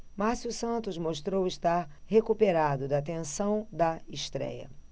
márcio santos mostrou estar recuperado da tensão da estréia